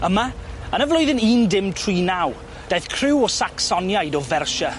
Yma, yn y flwyddyn un dim tri naw, daeth criw o Sacsoniaid o Fersia.